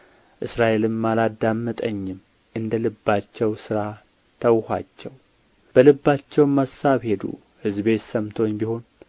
እስራኤልም አላዳመጠኝም እንደ ልባቸው ሥራ ተውኋቸው በልባቸውም አሳብ ሄዱ ሕዝቤስ ሰምቶኝ ቢሆን